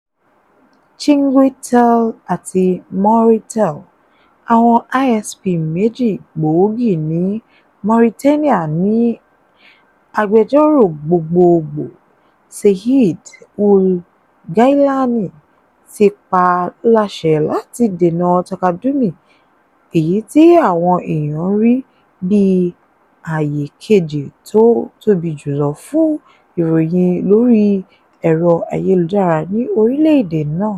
Chinguitel àti Mauritel, àwọn ISP méjì gbòógì ní Mauritania ni agbejọ́rọ̀ gbogboogbò, Seyid Ould Ghaïlani, ti pa láṣẹ láti dèna Taqadoumy, èyí tí àwọn èèyan ń rí bí ààyè kejì tó tòbí jùlọ̀ fún ìròyìn lórí ẹ̀rọ ayèlujára ní orílẹ̀ èdè náà.